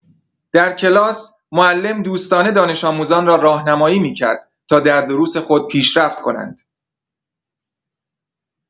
در کلاس، معلم دوستانه دانش‌آموزان را راهنمایی می‌کرد تا در دروس خود پیشرفت کنند.